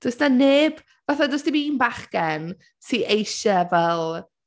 Does ‘na neb... fatha does dim un bachgen sy eisiau fel...